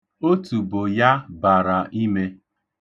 Otubo ya bara ime.